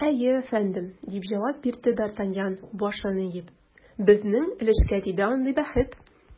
Әйе, әфәндем, - дип җавап бирде д’Артаньян, башын иеп, - безнең өлешкә тиде андый бәхет.